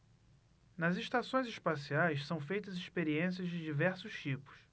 nas estações espaciais são feitas experiências de diversos tipos